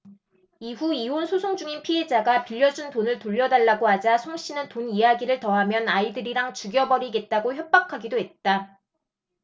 이후 이혼 소송중인 피해자가 빌려준 돈을 돌려달라고 하자 송씨는 돈 이야기를 더 하면 아이들이랑 죽여버리겠다고 협박하기도 했다